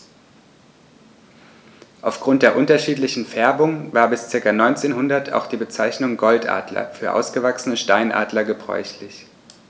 Auf Grund der unterschiedlichen Färbung war bis ca. 1900 auch die Bezeichnung Goldadler für ausgewachsene Steinadler gebräuchlich.